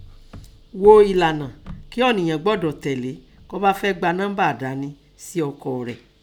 Gho ẹ̀lànà kí ọ̀nìyàn gbọdọ̀ tẹ̀lé kọ́ bá fẹ́ gba nọ́ḿbà àdáni sí ọkọ̀ rẹ̀.